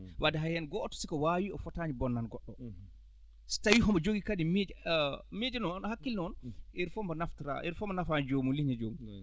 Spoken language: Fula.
wadde hay heen gooto si ko waawi o fotaani bonnan goɗɗo so tawii omo jogii kadi miijo miijo noon hakkille noon heure fof mo naftoraa heure fof mo nafa hin jomum liiñi joomum